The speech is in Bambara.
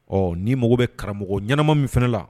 Ɔ ni mago bɛ karamɔgɔ ɲɛnaɛnɛma min fana la